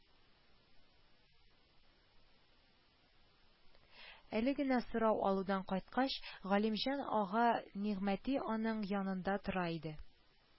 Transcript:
Әле генә сорау алудан кайткан Галимҗан ага Нигъмәти аның янында тора иде